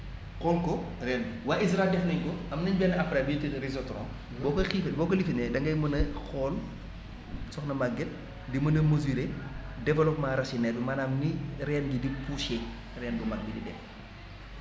xoon ko reen bi waa ISRA def nañ ko am nañ benn appareil lu ñu tuddee séseauton boo koy xiifal boo ko lifinee da ngay mën a xool soxna Maguette di mën a mesurer développement racine yeeg maanaam ni reen yi di poussé reen yu mag yi di dee